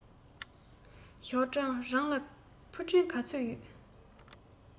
ཞའོ ཀྲང རང ལ ཕུ འདྲེན ག ཚོད ཡོད